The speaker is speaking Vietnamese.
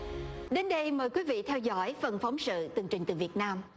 đến đây mời quý vị theo dõi phần phóng sự tường trình từ việt nam